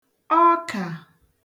ọkà